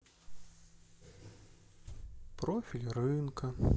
профиль рынка